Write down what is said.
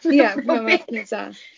Ie fi'n meddwl bod hwnna'n syniad da